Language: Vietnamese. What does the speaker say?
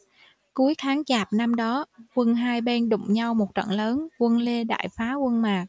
cuối tháng chạp năm đó quân hai bên đụng nhau một trận lớn quân lê đại phá quân mạc